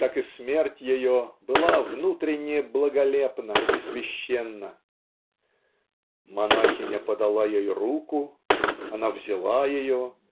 так и смерть ее была внутренне благолепна и священна. "Монахиня подала ей руку она взяла ее